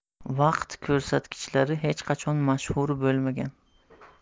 vaqt ko'rsatkichlari hech qachon mashhur bo'lmagan